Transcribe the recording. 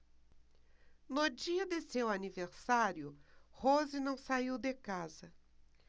no dia de seu aniversário rose não saiu de casa